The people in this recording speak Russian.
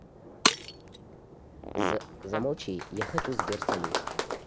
замолчи я хочу сбер салют